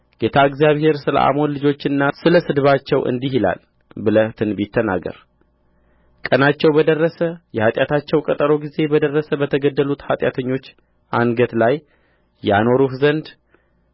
ጌታ እግዚአብሔር ስለ አሞን ልጆችና ስለ ስድባቸው እንዲህ ይላል ብለህ ትንቢት ተናገር ቀናቸው በደረሰ የኃጢአታቸው ቀጠሮ ጊዜ በደረሰ በተገደሉት ኃጢአተኞች አንገት ላይ ያኖሩህ ዘንድ